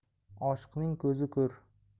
oshiqning ko'zi ko'r